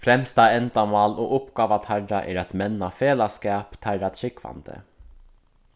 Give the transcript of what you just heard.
fremsta endamál og uppgáva teirra er at menna felagsskap teirra trúgvandi